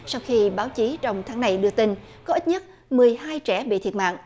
sau khi báo chí trong tháng này đưa tin có ít nhất mười hai trẻ bị thiệt mạng